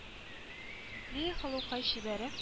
Лия Хылыукай - чибәре